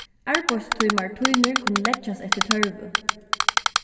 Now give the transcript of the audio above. arbeiðstímar tínir kunnu leggjast eftir tørvi